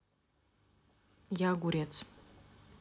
я огурец